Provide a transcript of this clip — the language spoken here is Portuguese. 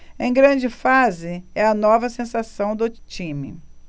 em grande fase é a nova sensação do time